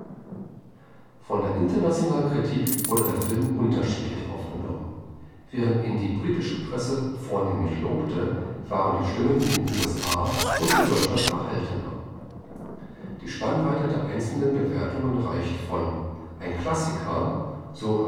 Von der internationalen Kritik wurde der Film unterschiedlich aufgenommen. Während ihn die britische Presse vornehmlich lobte, waren die Stimmen in den USA und in Deutschland verhaltener. Die Spannweite der einzelnen Bewertungen reicht von ein Klassiker, so